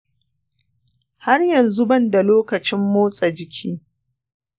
har yanzu ban da lokacin motsa-jiki.